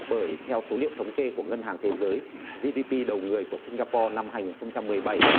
bởi theo số liệu thống kê của ngân hàng thế giới gi đi pi đầu người của sinh ga po năm hai nghìn không trăm mười bảy